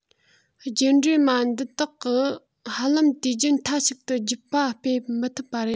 རྒྱུད འདྲེས མ འདི དག ཧ ལམ དུས རྒྱུན མཐའ གཅིག ཏུ རྒྱུད པ སྤེལ མི ཐུབ པ རེད